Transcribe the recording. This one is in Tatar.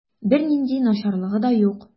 Бернинди начарлыгы да юк.